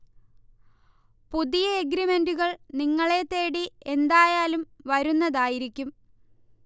പുതിയ എഗ്രീമ്ന്റുകൾ നിങ്ങളെ തേടി എന്തായാലും വരുന്നതായിരിക്കും